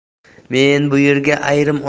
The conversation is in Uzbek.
men bu yerga ayrim